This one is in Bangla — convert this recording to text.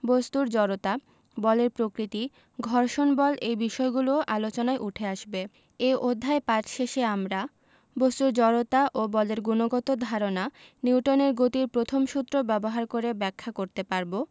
বস্তুর জড়তা বলের প্রকৃতি ঘর্ষণ বল এই বিষয়গুলোও আলোচনায় উঠে আসবে এ অধ্যায় পাঠ শেষে আমরা বস্তুর জড়তা ও বলের গুণগত ধারণা নিউটনের গতির প্রথম সূত্র ব্যবহার করে ব্যাখ্যা করতে পারব